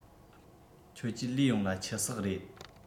ཁྱོད ཀྱིས ལུས ཡོངས ལ ཆུ ཟེགས རེད